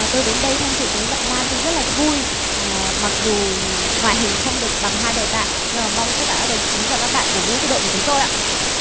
tôi đến đây tham dự cùng với bạn nam tôi rất là vui à mặc dù ngoại hình không được bằng hai đội bạn nhưng mà mong tất cả các đồng chí và các bạn cổ vũ cho đội của chúng tôi ạ